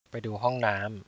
ไปดูห้องน้ำ